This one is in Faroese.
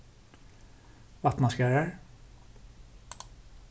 vatnaskarðar